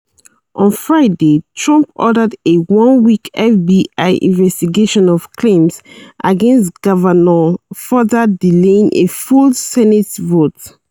On Friday, Trump ordered a one-week FBI investigation of claims against Kavanaugh, further delaying a full Senate vote.